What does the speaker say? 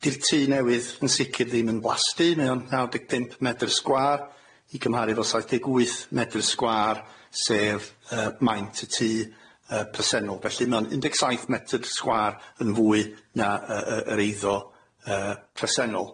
'Di'r tŷ newydd yn sicir ddim yn blasty mae o'n naw deg pump medr sgwâr i gymharu 'fo saith deg wyth medr sgwâr sef yy maint y tŷ yy presennol felly ma' o'n un deg saith metr sgwâr yn fwy na yy yy yr eiddo yy presennol.